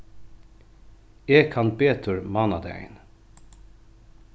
eg kann betur mánadagin